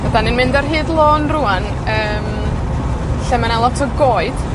'Dan ni'n mynd ar hyd lôn rŵan, yym, lle ma' 'na lot o goed.